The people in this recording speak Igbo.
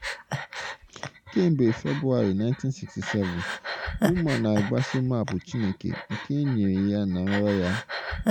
Kemgbe Febụwarị 1967, Ouma na-agbaso maapụ Chineke nke e nyere ya na nrọ ya.